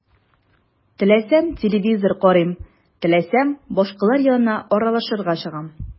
Теләсәм – телевизор карыйм, теләсәм – башкалар янына аралашырга чыгам.